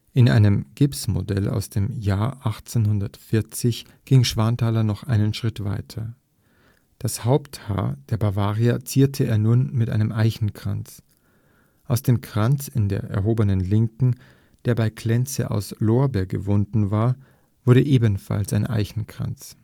In einem Gipsmodell aus dem Jahr 1840 ging Schwanthaler noch einen Schritt weiter. Das Haupthaar der Bavaria zierte er nun mit einem Eichenkranz. Aus dem Kranz in der erhobenen Linken, der bei Klenze aus Lorbeer gewunden war, wurde ebenfalls ein Eichenkranz